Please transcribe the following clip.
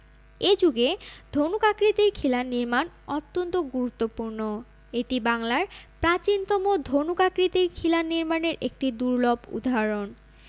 এ যুগে ধনুক আকৃতির খিলান নির্মাণ অত্যন্ত গুরুত্বপূর্ণ এটি বাংলার প্রাচীনতম ধনুক আকৃতির খিলান নির্মাণের একটি দুর্লভ উদাহরণ